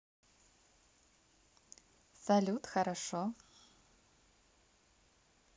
салют хорошо